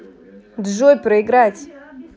джой проиграть